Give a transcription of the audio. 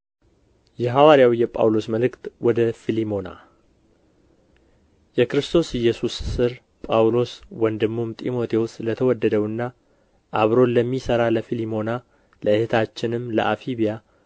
የሐዋርያው የጳውሎስ መልዕክት ወደ ፊልሞና ምዕራፍ አንድ የክርስቶስ ኢየሱስ እስር ጳውሎስ ወንድሙም ጢሞቴዎስ ለተወደደውና አብሮን ለሚሠራ ለፊልሞና ለእኅታችንም ለአፍብያ